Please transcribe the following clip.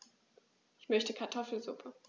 Ich möchte Kartoffelsuppe.